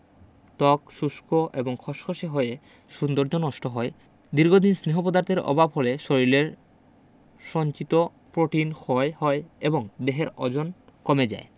ত্বক শুষ্ক এবং খসখসে হয়ে সৌন্দর্য নষ্ট হয় দীর্ঘদিন স্নেহ পদার্থের অভাব হলে শরীরের সঞ্চিত প্রোটিন ক্ষয় হয় এবং দেহের ওজন কমে যায়